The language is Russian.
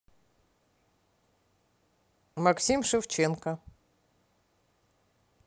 максим шевченко